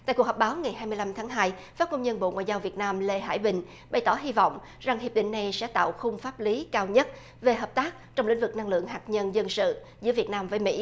tại cuộc họp báo ngày hai mươi lăm tháng hai phát ngôn nhân bộ ngoại giao việt nam lê hải bình bày tỏ hy vọng rằng hiệp định này sẽ tạo khung pháp lý cao nhất về hợp tác trong lĩnh vực năng lượng hạt nhân dân sự giữa việt nam với mỹ